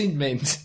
...di'n mynd?